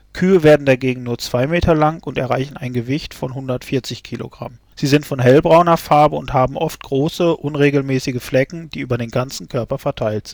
Kühe werden dagegen nur 2 m lang und erreichen ein Gewicht von 140 kg. Sie sind von hellbrauner Farbe und haben oft große, unregelmäßige Flecken, die über den ganzen Körper verteilt